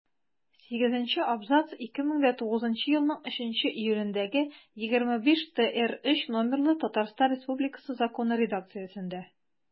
Сигезенче абзац 2009 елның 3 июлендәге 25-ТРЗ номерлы Татарстан Республикасы Законы редакциясендә.